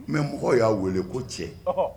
N bɛ mɔgɔ y'a wele ko cɛ